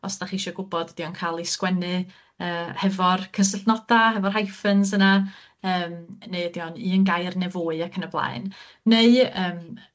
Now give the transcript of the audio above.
os 'dach chi isio gwbod 'di o'n ca'l 'i sgwennu yy hefo'r cysylltnoda, hefo'r hyphens yna yym neu ydi o'n un gair ne' fwy ac yn y blaen neu yym